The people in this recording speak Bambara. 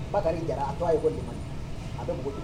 Ba ka nin jara a tɔgɔ a ye koɲuman a bɛ n boli